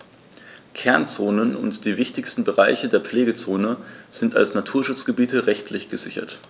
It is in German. Kernzonen und die wichtigsten Bereiche der Pflegezone sind als Naturschutzgebiete rechtlich gesichert.